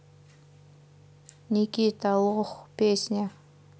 никита лох песня